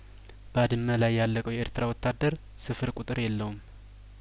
ባድመ ላይ ያለቀው የኤርትራ ወታደር ስፍር ቁጥር የለውም